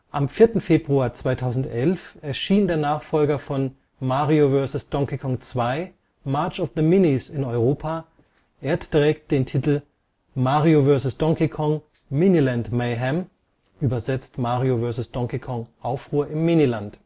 Am 4. Februar 2011 erscheint der Nachfolger von „ Mario vs. Donkey Kong 2 - March of the Minis “in Europa, er trägt den Titel „ Mario vs. Donkey Kong - Mini-Land Mayhem! “(übersetzt „ Mario vs. Donkey Kong - Aufruhr im Miniland